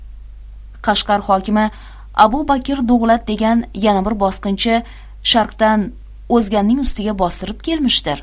qashqar hokimi abubakir dug'lat degan yana bir bosqinchi sharqdan o'zganning ustiga bostirib kelmishdir